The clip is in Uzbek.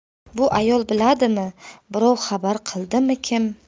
bu ayol biladimi birov xabar qildimi kim